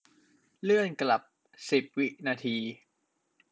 เลื่อนกลับสิบวินาที